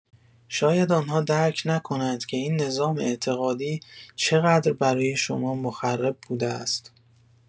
شاید آن‌ها درک نکنند که این نظام اعتقادی چقدر برای شما مخرب بوده است.